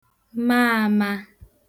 ma ama